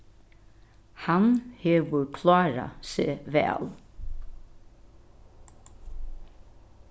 hann hevur klárað seg væl